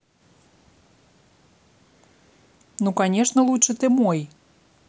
ну конечно лучше ты мой